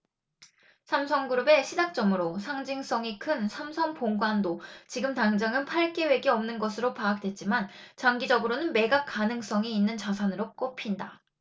삼성그룹의 시작점으로 상징성이 큰 삼성본관도 지금 당장은 팔 계획이 없는 것으로 파악됐지만 장기적으로는 매각 가능성이 있는 자산으로 꼽힌다